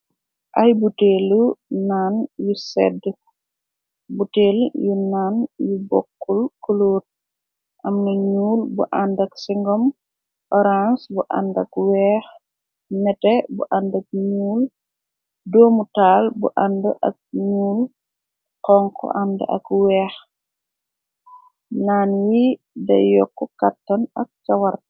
Ay buteelu naan yu sedde buteel yu naan yu bokkul kloot amme ñuul bu àndak singom orange bu àndak weex nete bu andak ñuul doomu taal bu ànd ak ñuul xonk ànd ak weex naan yi da yokk kàttan ak ca warte.